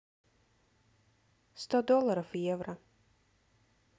сто долларов в евро